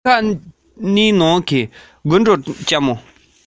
གཅིག ཙམ འདས ཟིན